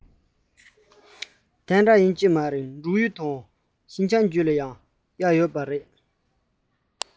དེ འདྲ ཡིན གྱི མ རེད འབྲུག ཡུལ དང ཤིན ཅང རྒྱུད ལ ཡང གཡག ཡོད རེད